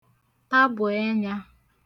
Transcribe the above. tabù ẹnyā